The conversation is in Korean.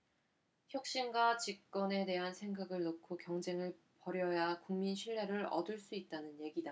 혁신과 집권에 대한 생각을 놓고 경쟁을 벌여야 국민 신뢰를 얻을 수 있다는 얘기다